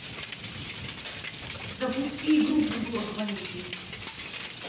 запусти игру придурок вонючий